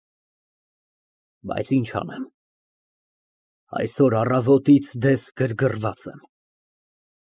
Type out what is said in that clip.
Բայց ինչ անեմ, այսօր առավոտից դես գրգռված եմ։